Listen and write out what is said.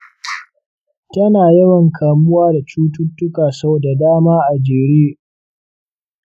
tana yawan kamuwa da cututtuka sau da dama a jere.